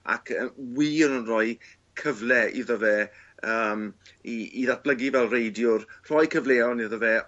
ac yy wir yn roi cyfle iddo fe yym i i ddatblygu fel reidiwr, rhoi cyfleon iddo fe